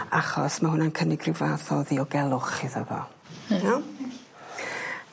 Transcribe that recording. achos ma' hwnna'n cynnig rhyw fath o ddiogelwch iddo fo. Ia. Iawn?